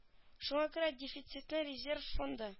Шуңа күрә дефицитны резерв фонды